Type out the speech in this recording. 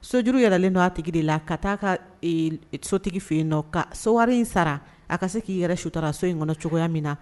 Sojuru yɛrɛlen don a tigi de la ka ta'a ka ee sotigi fɛ yen ka sowari in sara a ka se k'i yɛrɛ suturara so in kɔnɔ cogoya min na